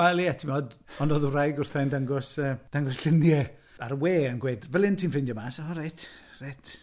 Wel ie, timod, ond oedd y wraig wrtha i'n dangos yy dangos lluniau ar y wê yn gweud, "fel hyn ti'n ffindio mas". O reit, reit…